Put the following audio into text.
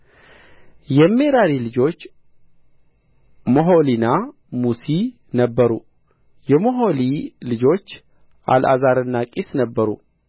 የሜራሪ ልጆች ሞሖሊና ሙሲ ነበሩ የሞሖሊ ልጆች አልዓዛርና ቂስ ነበሩ